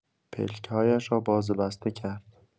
پلک‌هایش را باز و بسته کرد.